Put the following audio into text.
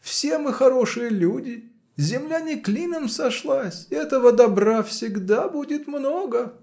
все мы хорошие люди; земля не клином сошлась, этого добра всегда будет много.